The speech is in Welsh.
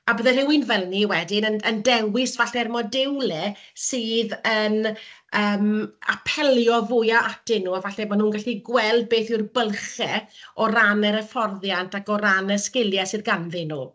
a byddai rhywun fel 'ny wedyn yn yn dewis falle'r modiwlau sydd yn yym apelio fwya atyn nhw a falle bo' nhw'n gallu gweld beth yw'r bylchau o ran yr hyfforddiant ac o ran y sgiliau sydd ganddyn nhw.